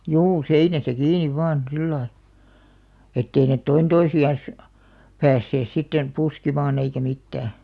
juu seinässä kiinni vain sillä lailla että ei ne toinen toisiansa päässeet sitten puskemaan eikä mitään